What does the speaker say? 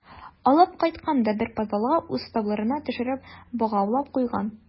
Алып кайткан да бер подвалга үз штабларына төшереп богаулап куйган.